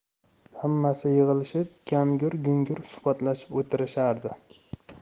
hammasi yig'ilishib gangir gungir suhbatlashib o'tirishardi